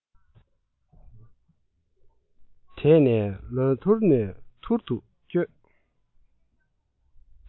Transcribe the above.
དེད ནས ལ ཐུར ནས ཐུར ཏུ བསྐྱོད